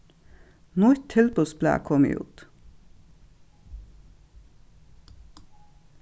nýtt tilboðsblað komið út